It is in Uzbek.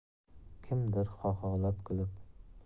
kimdir xoxolab kulib